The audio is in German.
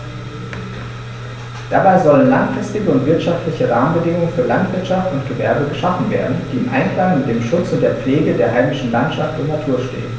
Dabei sollen langfristige und wirtschaftliche Rahmenbedingungen für Landwirtschaft und Gewerbe geschaffen werden, die im Einklang mit dem Schutz und der Pflege der heimischen Landschaft und Natur stehen.